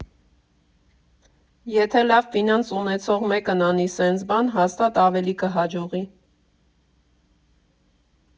Եթե լավ ֆինանս ունեցող մեկն անի սենց բան, հաստատ ավելի կհաջողի։